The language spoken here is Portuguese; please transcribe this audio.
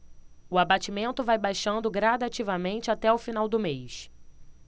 o abatimento vai baixando gradativamente até o final do mês